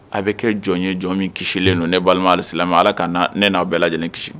A bɛ kɛ jɔn ye jɔn min kisilen don ne balima ala ka n'aw bɛɛ la lajɛlen kisi